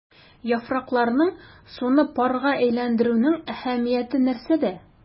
Яфракларның суны парга әйләндерүнең әһәмияте нәрсәдә?